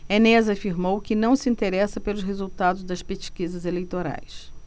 enéas afirmou que não se interessa pelos resultados das pesquisas eleitorais